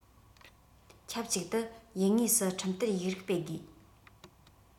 ཆབས ཅིག ཏུ ཡུལ དངོས སུ ཁྲིམས བསྟར ཡིག རིགས སྤེལ དགོས